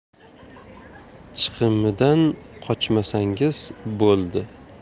chiqimidan qochmasangiz bo'ldi